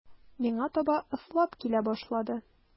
Миңа таба ыслап килә башлады.